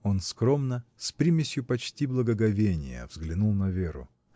Он скромно, с примесью почти благоговения, взглянул на Веру.